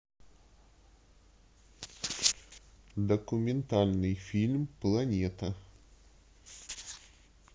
документальный фильм планета